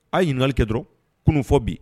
A' yeli kɛ dɔrɔn kunun fɔ bi yen